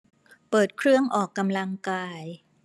เปิดเครื่องออกกำลังกาย